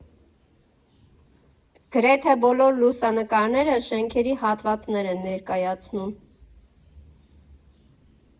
Գրեթե բոլոր լուսանկարները շենքերի հատվածներ են ներկայացնում.